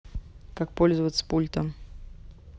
как пользоваться пультом